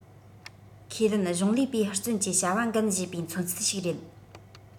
ཁས ལེན གཞུང ལས པའི ཧུར བརྩོན གྱིས བྱ བ འགན བཞེས པའི མཚོན ཚུལ ཞིག རེད